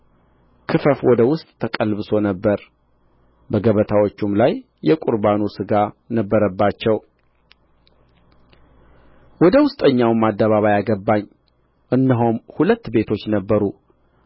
ክፈፍ ወደ ውስጥ ተቀልብሶ ነበር በገበታዎቹም ላይ የቍርባኑ ሥጋ ነበረባቸው ወደ ውስጠኛውም አደባባይ አገባኝ እነሆም ሁለት ቤቶች ነበሩ